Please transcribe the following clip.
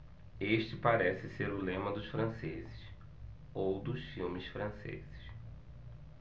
este parece ser o lema dos franceses ou dos filmes franceses